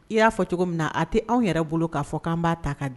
I y'a fɔ cogo min na a tɛ anw yɛrɛ bolo k'a k'an b'a ta ka di